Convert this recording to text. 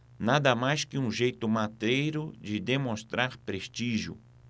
nada mais que um jeito matreiro de demonstrar prestígio